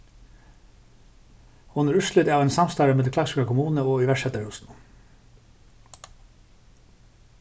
hon er úrslit av einum samstarvi millum klaksvíkar kommunu og íverksetanarhúsinum